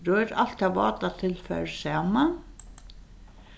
rør alt tað váta tilfarið saman